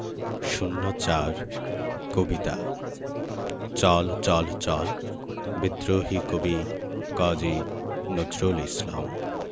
০৪ কবিতা চল চল চল বিদ্রোহী কবি কাজী নজরুল ইসলাম